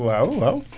waaw waaw